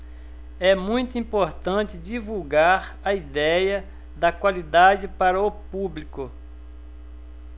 é muito importante divulgar a idéia da qualidade para o público